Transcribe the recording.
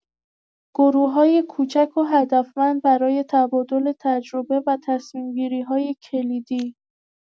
گروه‌های کوچک و هدفمند برای تبادل تجربه و تصمیم‌گیری‌های کلیدی